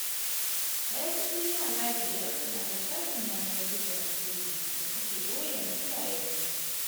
Daya cikin yara biyar na da shafin yanar gizo na sirri da suke boyema iyayen su